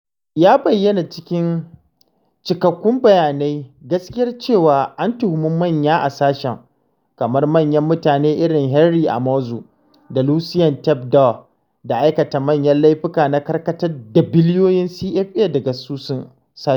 Ya bayyana cikin cikakkun bayanai gaskiyar cewa an tuhumi 'manya' a sashen, kamar manyan mutane irin Henri Amouzou da Lucien Tapé Doh, da aikata manyan laifuka na karkatar da biliyoyin CFA daga asusun sashen.